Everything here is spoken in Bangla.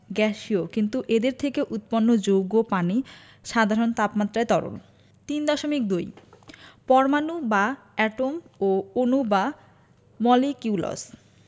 গ্যাসীয় কিন্তু এদের থেকে উৎপন্ন যৌগ পানি সাধারণ তাপমাত্রায় তরল ৩.২ পরমাণু বা এটম ও অণু বা মলিকিউলাস